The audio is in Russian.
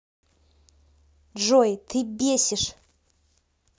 джой ты бесишь